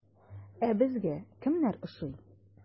Ә безгә кемнәр ошый?